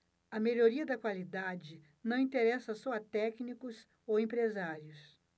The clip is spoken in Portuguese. a melhoria da qualidade não interessa só a técnicos ou empresários